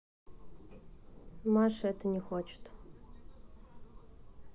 маша это не хочет